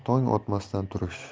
tong otmasdan turish